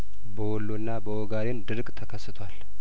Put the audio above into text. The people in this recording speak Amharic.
በወሎና በኦጋዴን ድርቅ ተከስቷል